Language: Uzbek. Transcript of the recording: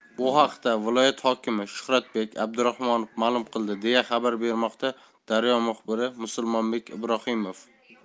bu haqda viloyat hokimi shuhratbek abdurahmonov ma'lum qildi deya xabar bermoqda daryo muxbiri musulmonbek ibrohimov